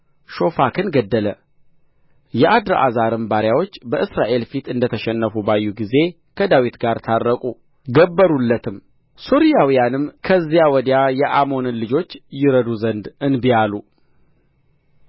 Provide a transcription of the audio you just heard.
ሾፋክን ገደለ የአድርአዛርም ባሪያዎች በእስራኤል ፊት እንደ ተሸነፉ ባዩ ጊዜ ከዳዊት ጋር ታረቁ ገበሩለትም ሶርያውያንም ከዚያ ወዲያ የአሞንን ልጆች ይረዱ ዘንድ እንቢ አሉ